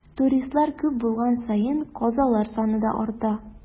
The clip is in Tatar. Туристлар күп булган саен, казалар саны да арта.